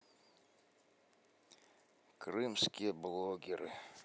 крымские блогеры